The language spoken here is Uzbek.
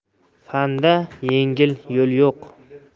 fanda yengil yo'l yo'q